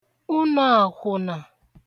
ụnọ̄àkwụ̀nà